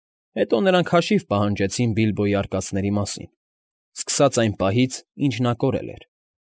Հետո նրանք հաշիվ պահանջեցին Բիլբոյի արկածների մասին, սկսած այն պահից, ինչ նա կորել էր։